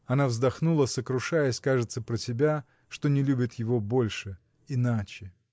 Она вздохнула, сокрушаясь, кажется, про себя, что не любит его больше, иначе.